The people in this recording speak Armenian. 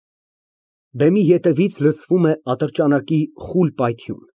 Բեմի հետևից լսվում է ատրճանակի խուլ պայթյուն։